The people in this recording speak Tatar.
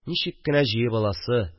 Ничек кенә җыеп аласы